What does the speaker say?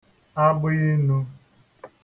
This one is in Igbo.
agbiinū